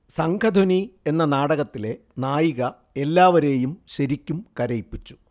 സംഘധ്വനി എന്ന നാടകത്തിലെ നായിക എല്ലാവരെയും ശരിക്കും കരയിപ്പിച്ചു